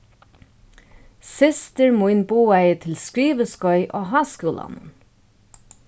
systir mín boðaði til skriviskeið á háskúlanum